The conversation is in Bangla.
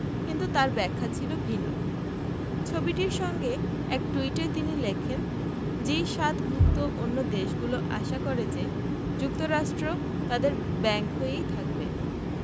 কিন্তু তাঁর ব্যাখ্যা ছিল ভিন্ন ছবিটির সঙ্গে এক টুইটে তিনি লেখেন জি ৭ ভুক্ত অন্য দেশগুলো আশা করে যে যুক্তরাষ্ট্র তাদের ব্যাংক হয়েই থাকবে